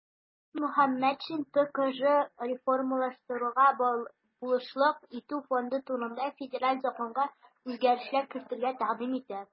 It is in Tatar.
Фәрит Мөхәммәтшин "ТКҖ реформалаштыруга булышлык итү фонды турында" Федераль законга үзгәрешләр кертергә тәкъдим итә.